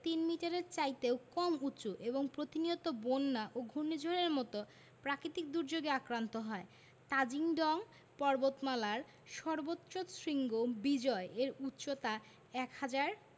তিন মিটারের চাইতেও কম উঁচু এবং প্রতিনিয়ত বন্যা ও ঘূর্ণিঝড়ের মতো প্রাকৃতিক দুর্যোগে আক্রান্ত হয় তাজিং ডং পর্বতমালার সর্বোচ্চ শৃঙ্গ বিজয় এর উচ্চতা ১হাজার